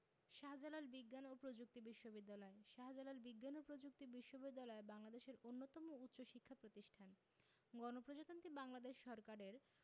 শাহ্জালাল বিজ্ঞান ও প্রযুক্তি বিশ্ববিদ্যালয় শাহ্জালাল বিজ্ঞান ও প্রযুক্তি বিশ্ববিদ্যালয় বাংলাদেশের অন্যতম উচ্চশিক্ষা প্রতিষ্ঠান গণপ্রজাতন্ত্রী বাংলাদেশ সরকারের